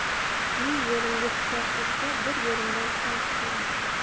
ming yerimga pichoq ursa bir yerimdan qon chiqmaydi